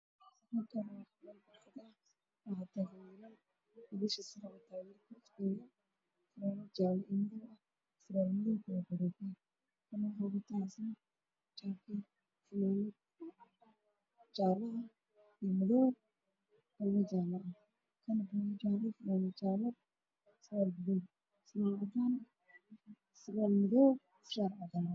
Meeshan waxaa iga muuqda saddex wiil waxa uu qabaa saati caddaalad saddexda kalena fanaanad isku eg